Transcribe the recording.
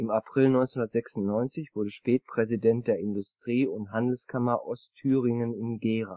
April 1996 wurde Späth Präsident der Industrie - und Handelskammer Ostthüringen in